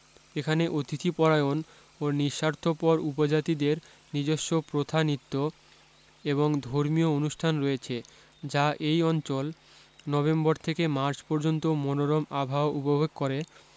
এখানে অতিথিপরায়ন ও নিস্বার্থপর উপজাতিদের নিজস্ব প্রথা নৃত্য এবং ধর্মীয় অনুষ্ঠান রয়েছে যা এই অঞ্চল নভেম্বর থেকে মার্চ পর্যন্ত মনোরম আবহাওয়া উপভোগ করে